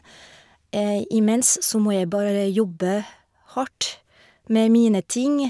Imens så må jeg bare jobbe hardt med mine ting.